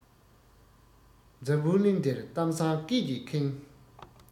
འཛམ བུའི གླིང འདིར གཏམ བཟང སྐད ཀྱིས ཁེངས